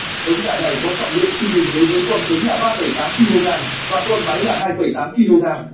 giống gà này có trọng lượng trung bình đối với con trống là kg và con mái là kg